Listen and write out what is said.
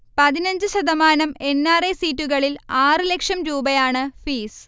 പതിനഞ്ച് ശതമാനം N. R. I സീറ്റുകളിൽ ആറ് ലക്ഷം രൂപയാണ് ഫീസ്